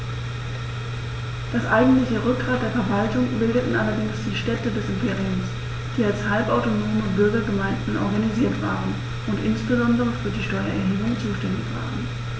Das eigentliche Rückgrat der Verwaltung bildeten allerdings die Städte des Imperiums, die als halbautonome Bürgergemeinden organisiert waren und insbesondere für die Steuererhebung zuständig waren.